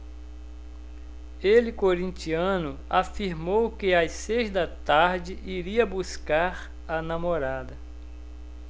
ele corintiano afirmou que às seis da tarde iria buscar a namorada